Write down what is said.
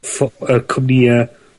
ffo- y cwmnïa'